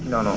non non